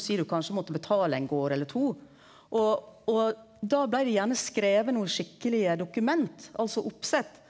sei du kanskje måtte betale ein gard eller to og og da blei det gjerne skrive nokon skikkelege dokument altså oppsett.